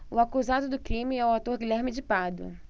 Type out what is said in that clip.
o acusado do crime é o ator guilherme de pádua